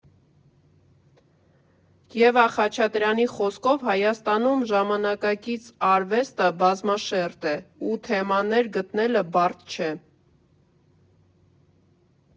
Եվա Խաչատրյանի խոսքով՝ Հայաստանում ժամանակակից արվեստը բազմաշերտ է ու թեմաներ գտնելը բարդ չէ.